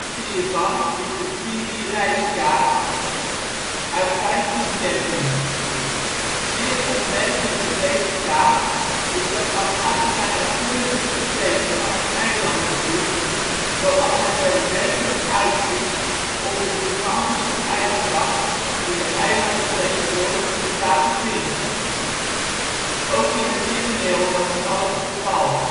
hiervan is de Piri Reis-kaart uit 1513. Zeer opmerkelijk op deze kaart is dat Antarctica nauwkeurig is getekend als een eilandengroep, zoals het er werkelijk uitziet onder de gigantische ijskap die de eilanden tegenwoordig met elkaar verbindt. Ook in de Middeleeuwen was dit al het geval